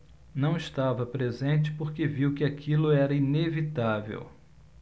não estava presente porque viu que aquilo era inevitável